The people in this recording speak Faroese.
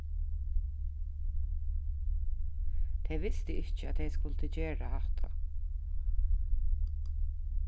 tey vistu ikki at tey skuldu gera hatta